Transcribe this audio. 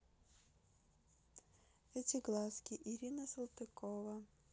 эти глазки ирина салтыкова